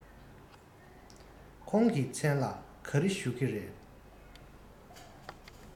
ཁོང གི མཚན ལ ག རེ ཞུ གི ཡོད རེད